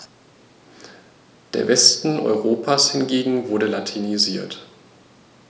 Der Westen Europas hingegen wurde latinisiert.